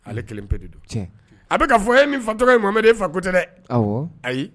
Ale kelen pe de don a bɛka ka fɔ e nin fa tɔgɔ ye mamɛden fa ko tɛ dɛ ayi